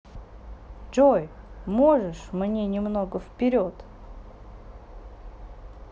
джой можешь мне немного вперед